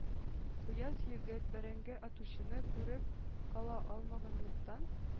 Көяз егет, бәрәңге атучыны күреп кала алмаганлыктан,